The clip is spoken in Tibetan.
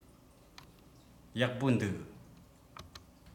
ཡག པོ འདུག